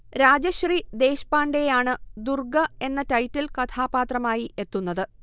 രാജശ്രീ ദേശ്പാണ്ഡേയാണ് ദുർഗ എന്ന ടൈറ്റിൽ കഥാപാത്രമായി എത്തുന്നത്